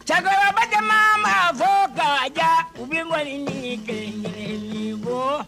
Cɛkɔrɔbabakɛ mama ma fo ka diya u bɛ bɔ ɲinili bɔ